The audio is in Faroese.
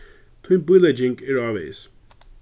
tín bílegging er ávegis